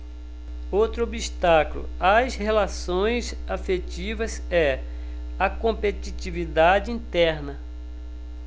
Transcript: outro obstáculo às relações afetivas é a competitividade interna